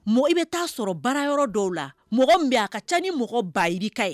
Mɔgɔ bɛ taa sɔrɔ bara yɔrɔ dɔw la mɔgɔ mɛ a ka ca ni mɔgɔ bayi ka ye